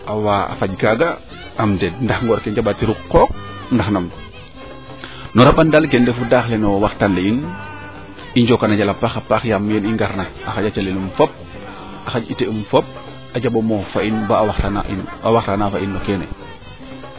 awa a xaƴ kaaa am deed ndax ngooor ke njambateeru a qooq ndax nam no rambandan geno daax le no waxtaan le yiin i njoka nan a njal a paaxa paax yaam yeen i ngarna a xaƴa calelum fop a xaƴ ite um fop a jambo moof fo in ba a waxtaana fa in no keene